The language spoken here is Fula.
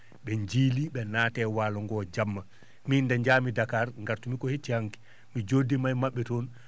?e jiili ?e naati e waalo ngoo jamma min nde jaami Dakar ngartumi ko hecci hanki mi jo?odiima e ma??e toon